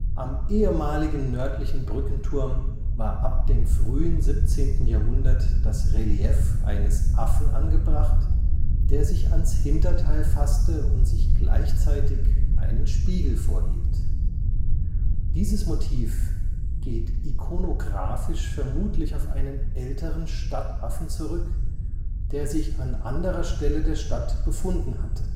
Am ehemaligen nördlichen Brückenturm war ab dem frühen 17. Jahrhundert das Relief eines Affen angebracht, der sich ans Hinterteil fasste und sich gleichzeitig einen Spiegel vorhielt. Dieses Motiv geht ikonografisch vermutlich auf einen älteren Stadtaffen zurück, der sich an anderer Stelle der Stadt befunden hatte